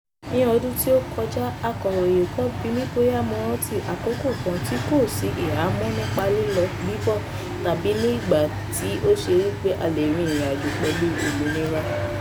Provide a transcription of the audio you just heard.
Ní ọdún tí ó kọjá, akọ̀ròyìn kan bimí bóyá mo rántí àkókò kan tí kò sì ìhámọ́ nípa lílọ-bíbọ̀ tàbí ní ìgbà tí ó ṣe wípé a lè rin ìrìn àjò pẹ̀lú òmìnira.